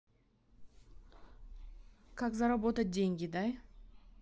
как заработать деньги дай